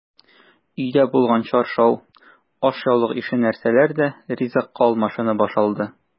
Өйдә булган чаршау, ашъяулык ише нәрсәләр дә ризыкка алмашынып ашалды.